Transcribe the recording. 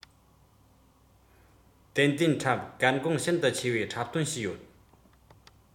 ཏན ཏན འཁྲབ གལ འགངས ཤིན ཏུ ཆེ བའི འཁྲབ སྟོན བྱས ཡོད